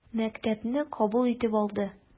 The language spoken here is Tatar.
Мәктәпне кабул итеп алды.